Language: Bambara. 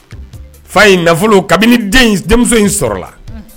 Fa in nafolo kabini den in s denmuso in sɔrɔla unh